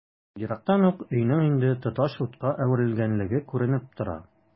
Ерактан ук өйнең инде тоташ утка әверелгәнлеге күренеп тора.